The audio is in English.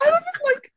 And I was just like.